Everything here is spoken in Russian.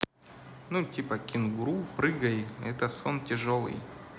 ну типа кенгуру прыгай это сон тяжелый